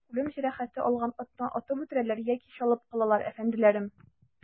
Үлем җәрәхәте алган атны атып үтерәләр яки чалып калалар, әфәнделәрем.